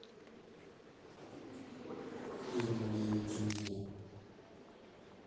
фильм девять жизней